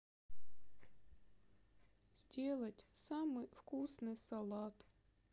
сделать самый вкусный салат